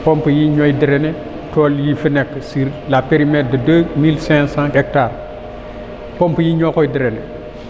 pompes yii ñoor drainé tool yi fi nekk sur la périmètre de deux mille cinq cent hectares pompes yii ñoo koy drainer